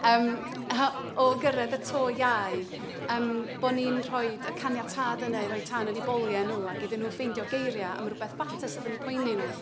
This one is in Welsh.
yym ho- o gyrraedd y to iau, yym bod ni'n rhoid y caniatâd i roi tân yn eu boliau nhw ac iddyn nhw ffeindio geiriau am rywbeth falle sydd yn eu poeni nhw.